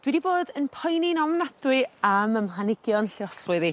Dw i 'di bod yn poeni'n ofnadwy am 'y mhlanigion lluosflwydd i.